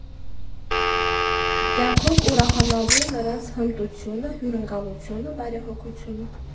Կյանքով ուրախանալու նրանց հմտությունը, հյուրընկալությունը, բարեհոգությունը։